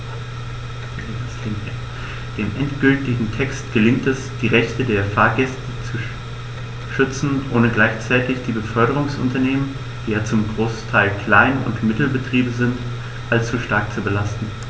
Dem endgültigen Text gelingt es, die Rechte der Fahrgäste zu schützen, ohne gleichzeitig die Beförderungsunternehmen - die ja zum Großteil Klein- und Mittelbetriebe sind - allzu stark zu belasten.